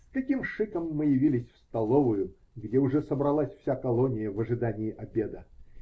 С каким шиком мы явились в столовую, где уже собралась вся колония в ожидании обеда!